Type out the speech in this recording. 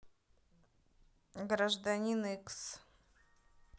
гражданин икс